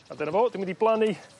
A dyna fo dwi mynd i blannu